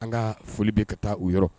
An ka foli bɛ ka taa u yɔrɔ